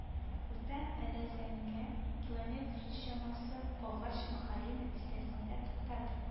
Урта әләзәнгә километрчамасы калгач махалино бистәсендә туктадык